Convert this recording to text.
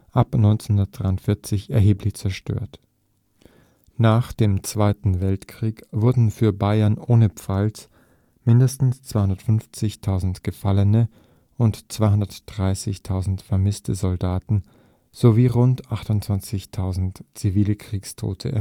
ab 1943 erheblich zerstört. Nach dem Zweiten Weltkrieg wurden für Bayern (ohne Pfalz) mindestens 250.000 gefallene und 230.000 vermißte Soldaten sowie rund 28.000 zivile Kriegstote